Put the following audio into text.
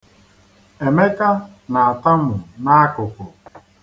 Emeka na-atamu n'akụkụ.